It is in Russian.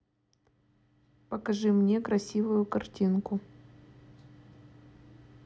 покажи мне красивую картинку